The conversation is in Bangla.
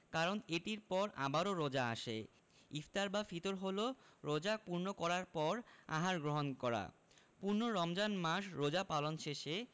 কারণ এটির পর আবারও রোজা আসে ইফতার বা ফিতর হলো রোজা পূর্ণ করার পর আহার গ্রহণ করা পূর্ণ রমজান মাস রোজা পালন শেষে